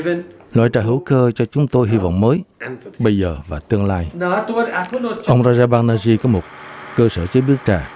loại trà hữu cơ cho chúng tôi hy vọng mới bây giờ và tương lai ông ra ra băng na ri có một cơ sở chế biến trà